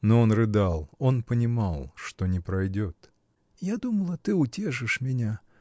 Но он рыдал, он понимал, что не пройдет. — Я думала, ты утешишь меня.